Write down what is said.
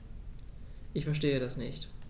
Ich verstehe das nicht.